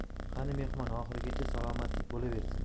qani mehmon oxirigacha salomatlik bo'laversin